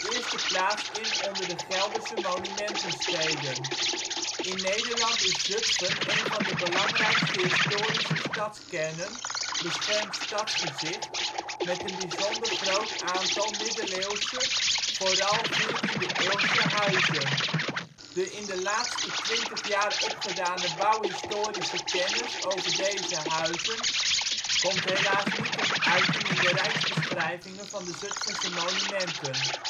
eerste plaats in onder de Gelderse monumentensteden. In Nederland is Zutphen een van de belangrijkste historische stadskernen (beschermd stadsgezicht) met een bijzonder groot aantal middeleeuwse, vooral 14e-eeuwse, huizen. De in de laatste 20 jaar opgedane bouwhistorische kennis over deze huizen komt helaas niet tot uiting in de rijksbeschrijvingen van de Zutphense monumenten